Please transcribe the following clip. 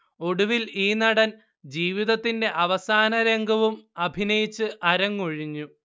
ഒടുവിൽ ഈ നടൻ ജീവിതത്തിന്റെ അവസാനരംഗവും അഭിനയിച്ച് അരങ്ങൊഴിഞ്ഞു